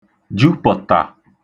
jupə̣̀tà